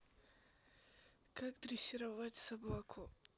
как дрессировать собаку